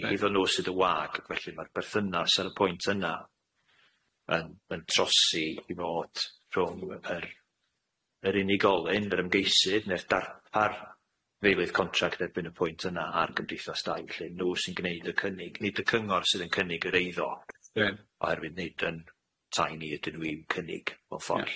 Heiddo nw sydd yn wag ac felly ma'r berthynas ar y pwynt yna yn yn trosi i fod rhwng yr yr unigolyn yr ymgeisydd ne'r darpar ddeuluydd contract erbyn y pwynt yna a'r Gymdeithas Dai felly nw sy'n gneud y cynnig nid y cyngor sydd yn cynnig yr eiddo. Reit. Oherwydd nid yn tai ni ydyn nw i'w cynnig mewn ffordd lly.